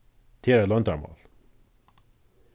tað er eitt loyndarmál